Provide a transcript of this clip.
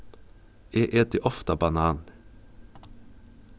eg eti ofta bananir